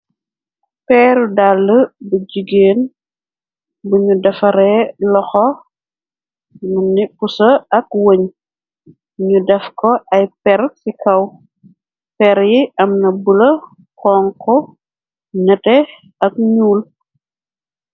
Peeru dalle, bu jigeen, bunyu defare loxo mone pusse ak wenj, nyu def ko ay per si kaw, per yi amna bula, xonxu, nete ak nyuul.